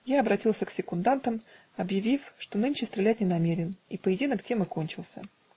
Я обратился к секундантам, объявив, что нынче стрелять не намерен, и поединок тем и кончился.